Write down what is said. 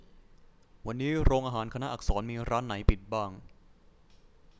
วันนี้โรงอาหารคณะอักษรมีร้านไหนปิดบ้าง